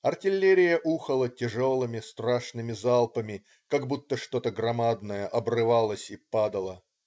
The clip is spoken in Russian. " Артиллерия ухала тяжелыми, страшными залпами, как будто что-то громадное обрывалось и падало.